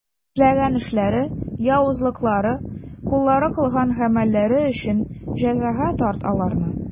Эшләгән эшләре, явызлыклары, куллары кылган гамәлләре өчен җәзага тарт аларны.